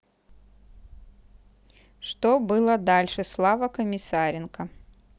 что было дальше слава комиссаренко